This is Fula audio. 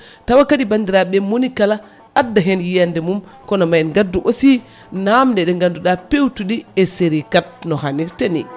tawa kadi bandiraɓe monikala adda hen yiyande mum kono ma en gaduu aussi namde ɗe ganduɗa pewtuɗi e série 4 no hannirta ni